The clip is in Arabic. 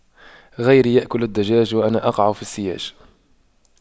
غيري يأكل الدجاج وأنا أقع في السياج